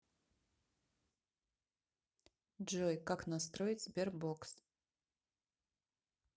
джой как настроить sberbox